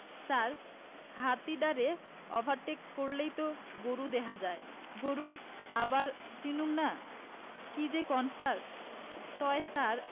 ছার হাতিডারে ওভারটেক করলেই তো গরু দেহা যায় গরু আবার চিনুম না কি যে কন ছার তয় ছার